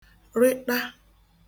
-rịṭa